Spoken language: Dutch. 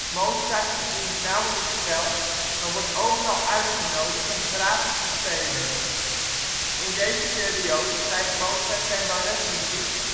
Mozart verdient nauwelijks geld, maar wordt overal uitgenodigd om ' gratis ' te spelen. In deze periode schrijft Mozart zijn balletmuziek